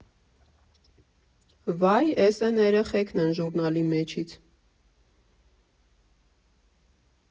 «Վա՜յ, էս էն էրեխեքն են ժուռնալի մեջից»։